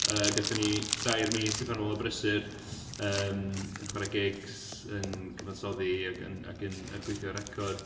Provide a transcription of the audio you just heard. Yy gaethon ni dair mis uffernol o brysur yym yn chwarae gigs, yn cyfansoddi ac yn ac yn gweithio records.